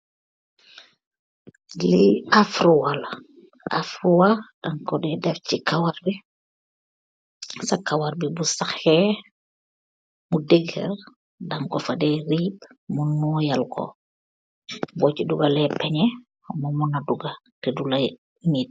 dewwu bunj deydef ce karawu.